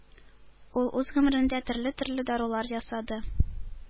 Ул үз гомерендә төрле-төрле дарулар ясады,